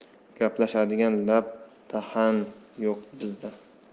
gaplashadigan lab dahan yo'q bizda